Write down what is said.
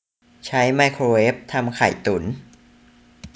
ใช้ไมโครเวฟทำไข่่ตุ๋น